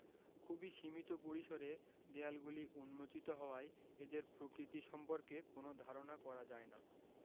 খুবই সীমিত পরিসরে দেয়ালগুলি উন্মোচিত হওয়ায় এদের প্রকৃতি সম্পর্কে কোন ধারণা করা যায় না